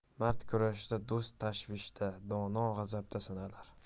mard kurashda do'st tashvishda dono g'azabda sinalar